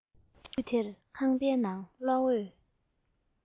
དུས དེར ཁང པའི ནང གློག འོད